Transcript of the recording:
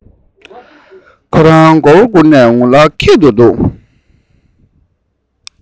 ཁོ རང མགོ བོ སྒུར ནས ངུ ལ ཁད དུ འདུག